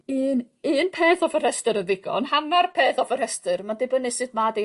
...un un peth off y rhestyr y' ddigon hannar peth off y rhestyr ma'n dibynnu sut ma' dy